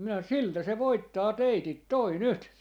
minä siltä se voittaa teidät tuo nyt